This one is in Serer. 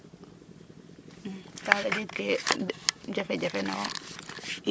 kaga jeg ke jafe jafe na wo